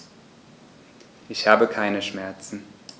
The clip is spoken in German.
Ich habe keine Schmerzen.